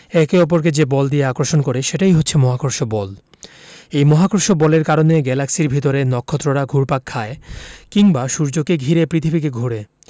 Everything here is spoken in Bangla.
একে অপরকে যে বল দিয়ে আকর্ষণ করে সেটাই হচ্ছে মহাকর্ষ বল এই মহাকর্ষ বলের কারণে গ্যালাক্সির ভেতরে নক্ষত্ররা ঘুরপাক খায় কিংবা সূর্যকে ঘিরে পৃথিবী ঘোরে